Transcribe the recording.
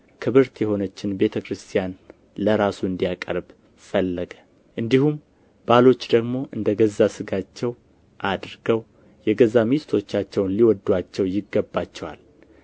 ክብርት የሆነችን ቤተ ክርስቲያን ለራሱ እንዲያቀርብ ፈለገ እንዲሁም ባሎች ደግሞ እንደ ገዛ ሥጋቸው አድርገው የገዛ ሚስቶቻቸውን ሊወዱአቸው ይገባቸዋል